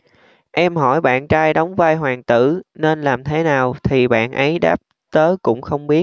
em hỏi bạn trai đóng vai hoàng tử nên làm thế nào thì bạn ấy đáp tớ cũng không biết